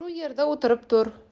shu yerda o'tirib tur